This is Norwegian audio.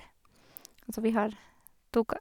Og så vi har to ka...